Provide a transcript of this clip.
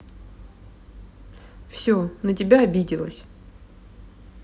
все на тебя обиделась